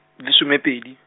di somepedi.